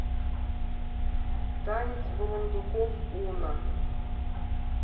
танец бурундуков уно